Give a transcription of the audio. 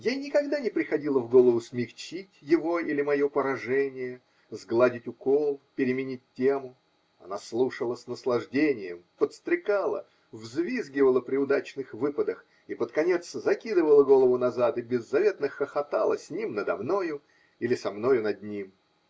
Ей никогда не приходило в голову смягчить его или мое поражение, сгладить укол, переменить тему: она слушала с наслаждением, подстрекала, взвизгивала при удачных выпадах и под конец закидывала голову назад и беззаветно хохотала с ним надо мною или со мною над ним.